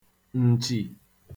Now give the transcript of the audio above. ǹtshì